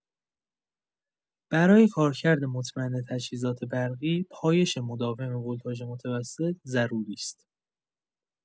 برای کارکرد مطمئن تجهیزات برقی، پایش مداوم ولتاژ متوسط ضروری است.